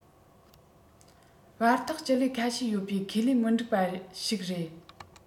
བར ཐག སྤྱི ལེ ཁ ཤས ཡོད པའི ཁས ལེན མི འགྲིག པ ཞིག རེད